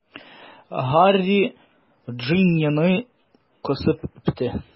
Һарри Джиннины кысып үпте.